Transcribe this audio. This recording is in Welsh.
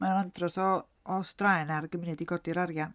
Mae o'n andros o o straen ar y gymuned i godi'r arian.